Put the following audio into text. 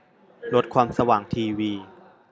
ลดความสว่างทีวี